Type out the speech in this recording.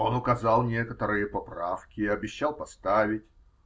Он указал некоторые поправки и обещал поставить.